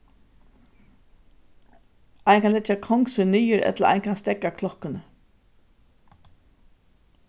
ein kann leggja kong sín niður ella ein kann steðga klokkuni